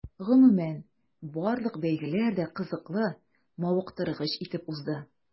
Гомумән, барлык бәйгеләр дә кызыклы, мавыктыргыч итеп узды.